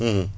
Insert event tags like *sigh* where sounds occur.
*hesitation* *hesitation*